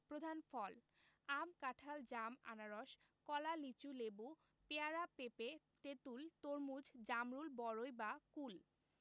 প্রধান ফলঃ আম কাঁঠাল জাম আনারস কলা লিচু লেবু পেয়ারা পেঁপে তেঁতুল তরমুজ জামরুল বরই বা কুল